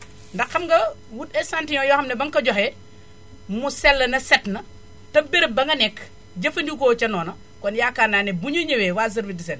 ndax xam nga wut échantillon yoo xam ne ba nga ko joxee mu sell na set na te béréb ba nga nekk jëfëndikoo woo ca noona kon yaakaar ne bu ñu ñëwee waa service d' hygène